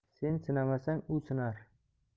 sen sinamasang u sinar